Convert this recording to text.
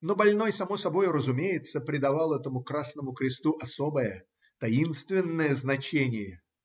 Но больной, само собою разумеется, придавал этому красному кресту особое, таинственное значение.